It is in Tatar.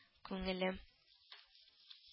Күңелем